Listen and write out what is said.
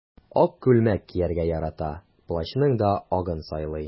Ак күлмәк кияргә ярата, плащның да агын сайлый.